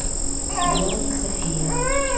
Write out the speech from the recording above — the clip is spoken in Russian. диана софия